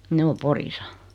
ne on Porissa